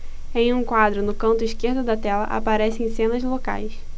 em um quadro no canto esquerdo da tela aparecem cenas locais